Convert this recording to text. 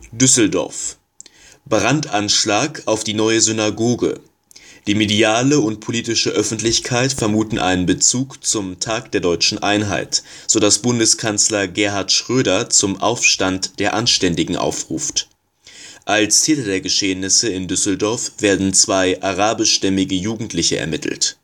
Düsseldorf: Brandanschlag auf die Neue Synagoge. Die mediale und politische Öffentlichkeit vermuten einen Bezug zum Tag der Deutschen Einheit, so dass Bundeskanzler Gerhard Schröder zum „ Aufstand der Anständigen “aufruft. Als Täter der Geschehnisse in Düsseldorf werden zwei arabischstämmige Jugendliche ermittelt